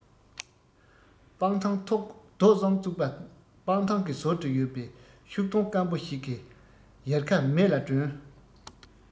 སྤང ཐང ཐོག རྡོ གསུམ བཙུགས པ སྤང ཐང གི ཟུར དུ ཡོད པའི ཤུག སྡོང སྐམ པོ ཞིག གི ཡལ ག མེ ལ སྒྲོན